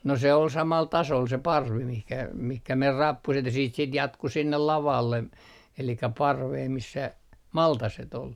no se oli samalla tasolla se parvi mihin mihin meni rappuset ja siitä sitten jatkui sinne lavalle eli parveen missä maltaset oli